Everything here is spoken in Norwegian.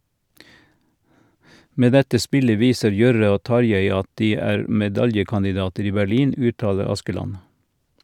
Med dette spillet viser Jørre og Tarjei at de er medaljekandidater i Berlin, uttaler Askeland.